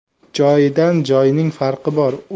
joydan joyning farqi bor